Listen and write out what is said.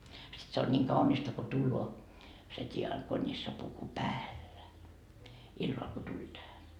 sitten se on niin kaunista kun tulee se diakonissapuku päällä illalla kun tuli tähän